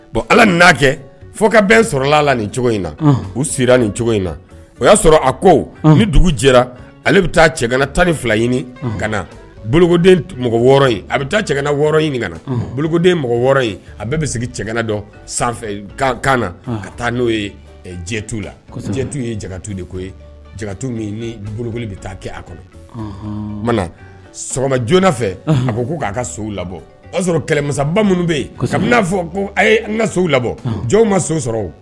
Bon ala'a kɛ fo ka bɛn sɔrɔ ala la ni cogo in na u sera nin cogo in na o y'a sɔrɔ a ko ni dugu jɛra ale bɛ taa cɛgana tan ni fila ɲini ka na bolokoden mɔgɔ wɔɔrɔ in a bɛ taa cɛana wɔɔrɔɔrɔn ɲini ka na bolokoden mɔgɔ wɔɔrɔ in a bɛɛ bɛ sigi cɛgana dɔ sanfɛ kaana na ka taa n'o ye jɛtu latu ye jakatu de ko ye jakatu min ni boloko bɛ taa kɛ a kɔnɔ ma sɔgɔma joona fɛ a ko ko k'a ka sow labɔ o y'a sɔrɔ kɛlɛmasaba minnu bɛ yen kaa fɔ ko an ka sow labɔ jɔn ma so sɔrɔ